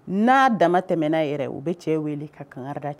N'a dama tɛmɛ n'a yɛrɛ u bɛ cɛ wele ka kan cɛ